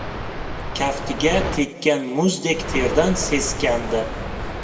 kaftiga tekkan muzdek terdan seskandi